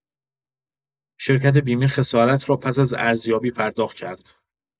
شرکت بیمه خسارت را پس از ارزیابی پرداخت کرد.